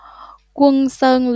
quân lương sơn